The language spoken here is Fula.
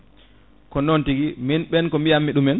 kon noon tigui min ɓen ko biyammi ɗumen